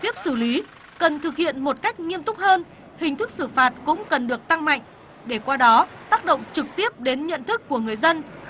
tiếp xử lý cần thực hiện một cách nghiêm túc hơn hình thức xử phạt cũng cần được tăng mạnh để qua đó tác động trực tiếp đến nhận thức của người dân